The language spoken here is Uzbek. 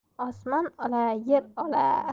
osmon ola yer ola